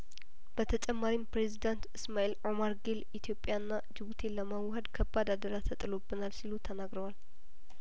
በተጨማሪም ፕሬዝዳንት እስማኤል ኦማር ጌል ኢትዮጵያና ጅቡቲን ለማዋሀድ ከባድ አደራ ተጥሎ ብናል ሲሉ ተናግረዋል